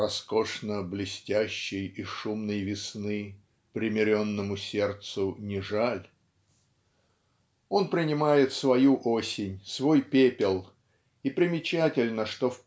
"роскошно блестящей и шумной весны примиренному сердцу не жаль" он принимает свою осень свой пепел и примечательно что